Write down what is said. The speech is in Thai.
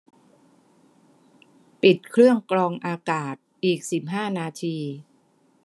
ปิดเครื่องกรองอากาศอีกสิบห้านาที